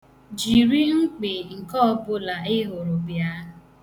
Jiri mkpị nke ọbụla ị hụrụ bịa.